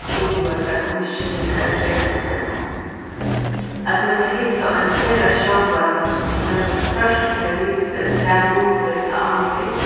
trupulleikar og misskiljingar í gerandisdegnum at tú kann hitta ein sera sjónveikan sum til dømis hvørki fær lisið sæð lutir ella andlit